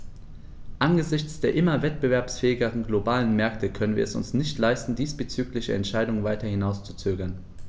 Angesichts der immer wettbewerbsfähigeren globalen Märkte können wir es uns nicht leisten, diesbezügliche Entscheidungen weiter hinauszuzögern.